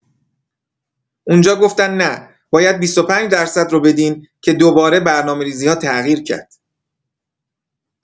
اونجا گفتن نه باید ۲۵٪ رو بدین که دوباره برنامه ریزی‌ها تغییر کرد.